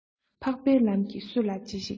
འཕགས པའི ལམ གྱིས སུ ལ ཅི ཞིག བྱ